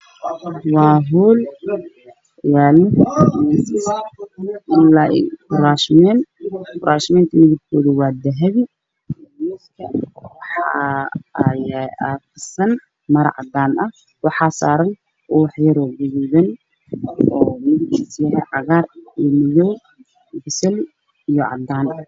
Waa hool waxaa yaalo kuraasman iyo miisas. Kuraasmanku waa dahabi miiska waxaa saaran maro cadaan ah waxaa saaran ubax yar oo gaduud ah iyo cagaar, madow, basali iyo cadaan.